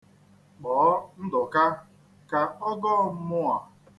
Kpọọ Ndụka ka ọ gọọ mmụọ a.